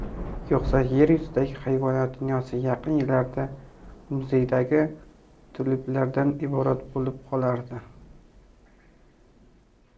yo'qsa yer yuzidagi hayvonot dunyosi yaqin yillarda muzeylardagi tuluplardan iborat bo'lib qolardi